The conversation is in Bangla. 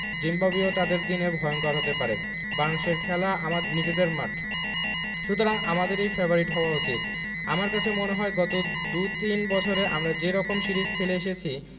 জিম্বাবুয়েও তাদের দিনে ভয়ংকর হতে পারে বাংলাদেশে খেলা আমাদের নিজেদের মাঠ সুতরাং আমাদেরই ফেবারিট হওয়া উচিত আমার কাছে মনে হয় গত দু তিন বছরে আমরা যে রকম সিরিজ খেলে এসেছি